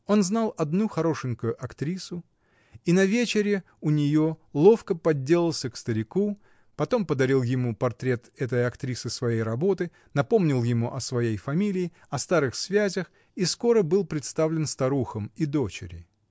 Он знал одну хорошенькую актрису и на вечере у нее ловко подделался к старику, потом подарил ему портрет этой актрисы своей работы, напомнил ему о своей фамилии, о старых связях и скоро был представлен старухам и дочери.